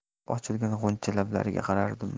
uning sal ochilgan g'uncha lablariga qarardim